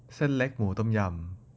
เส้นเล็กหมูต้มยำ